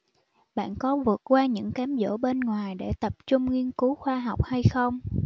bạn có vượt qua những cám dỗ bên ngoài để tập trung nghiên cứu khoa học hay không